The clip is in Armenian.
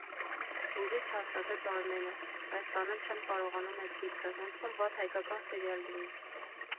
֊ Հուզի՜չ, ֊ հաստատեց Արմենը, ֊ բայց տանել չեմ կարողանում էդ գիրքը, ոնց որ վատ հայկական սերիալ լինի…